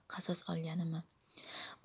qasos olganimi